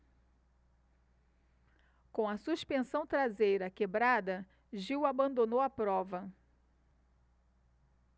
com a suspensão traseira quebrada gil abandonou a prova